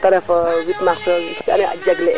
a ko duuf u bo muj jikook wala